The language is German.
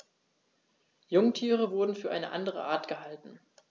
Jungtiere wurden für eine andere Art gehalten.